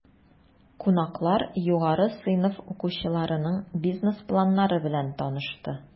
Кунаклар югары сыйныф укучыларының бизнес планнары белән танышты.